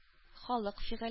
Холык-фигыль